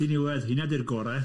Din iwedd, hynna ydi'r gorau.